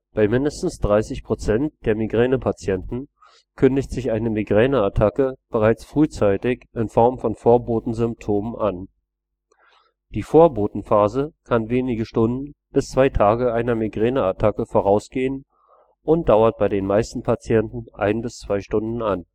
Bei mindestens 30 % der Migränepatienten kündigt sich eine Migräneattacke bereits frühzeitig in Form von Vorbotensymptomen an. Die Vorbotenphase kann wenige Stunden bis zwei Tage einer Migräneattacke vorausgehen und dauert bei den meisten Patienten ein bis zwei Stunden an